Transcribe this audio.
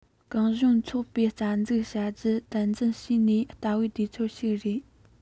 གུང གཞོན ཚོགས པའི རྩ འཛུགས བྱ རྒྱུ དམ འཛིན བྱས ནས བལྟ བའི དུས ཚོད ཞིག རེད